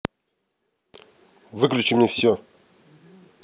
выключи мне все